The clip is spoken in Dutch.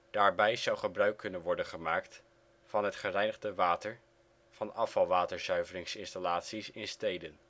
Daarbij zou gebruik kunnen worden gemaakt van het gereinigde water van afvalwaterzuiveringsinstallaties in steden